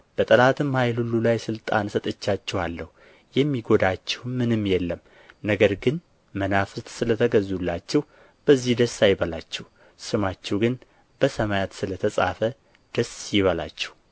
በጠላትም ኃይል ሁሉ ላይ ሥልጣን ሰጥቻችኋለሁ የሚጐዳችሁም ምንም የለም ነገር ግን መናፍስት ስለ ተገዙላችሁ በዚህ ደስ አይበላችሁ ስማችሁ ግን በሰማያት ሰለ ተጻፈ ደስ ይበላችሁ